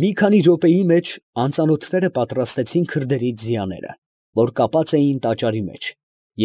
Մի քանի րոպեի մեջ անծանոթները պատրաստեցին քրդերի ձիաները, որ կապած էին տաճարի մեջ